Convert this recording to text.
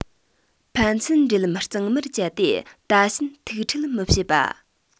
ཕན ཚུན འབྲེལ ལམ གཙང མར བཅད དེ ད ཕྱིན ཐུག འཕྲད མི བྱེད པ